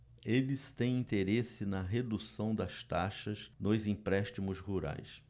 eles têm interesse na redução das taxas nos empréstimos rurais